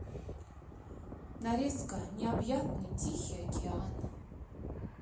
нарезка необъятный тихий океан